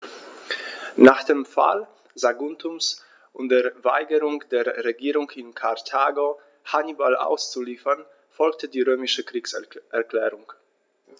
Nach dem Fall Saguntums und der Weigerung der Regierung in Karthago, Hannibal auszuliefern, folgte die römische Kriegserklärung.